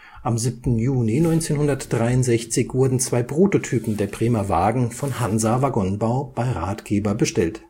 Am 7. Juni 1963 wurden zwei Prototypen der Bremer Wagen von Hansa Waggonbau bei Rathgeber bestellt